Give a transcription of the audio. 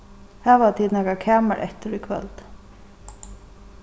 hava tit nakað kamar eftir í kvøld